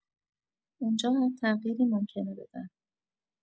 اونجا هر تغییری ممکنه بدن.